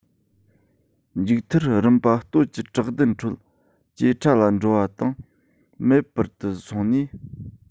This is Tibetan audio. མཇུག མཐར རིམ པ སྟོད ཀྱི བྲག གདན ཁྲོད ཇེ ཕྲ ལ འགྲོ བ དང མེད པར དུ སོང ནས